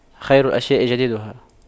خير الأشياء جديدها